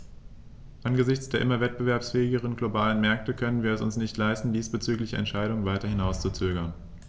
Angesichts der immer wettbewerbsfähigeren globalen Märkte können wir es uns nicht leisten, diesbezügliche Entscheidungen weiter hinauszuzögern.